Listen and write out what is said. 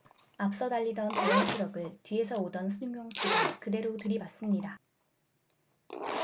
앞서 달리던 대형 트럭을 뒤에서 오던 승용차가 그대로 들이받습니다